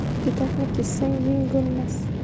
etakni kessang yeng bo'lmas